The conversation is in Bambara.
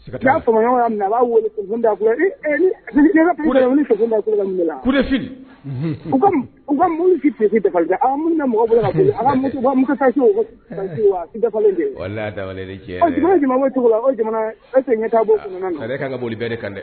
Minɛ jama cogo la jamana ese ɲɛ bɔ kan ka boli bɛɛ de kan dɛ